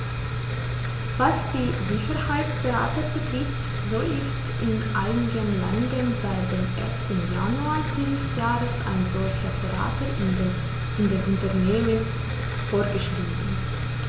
Was die Sicherheitsberater betrifft, so ist in einigen Ländern seit dem 1. Januar dieses Jahres ein solcher Berater in den Unternehmen vorgeschrieben.